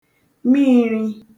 miìri